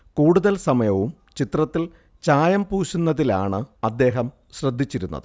കൂടുതൽ സമയവും ചിത്രത്തിൽ ചായം പൂശുന്നതിലാണ് അദ്ദേഹം ശ്രദ്ധിച്ചിരുന്നത്